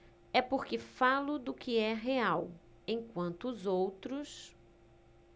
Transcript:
é porque falo do que é real enquanto os outros